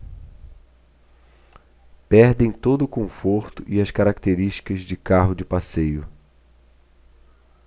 perdem todo o conforto e as características de carro de passeio